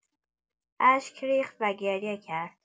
اشک ریخت و گریه کرد.